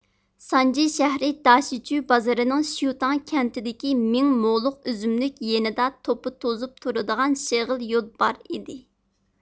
سانجى شەھىرى داشىچۈ بازىرىنىڭ شيۈتاڭ كەنتىدىكى مىڭ مولۇق ئۈزۈملۈك يېنىدا توپا توزۇپ تۇرىدىغان شېخىل يول بار ئىدى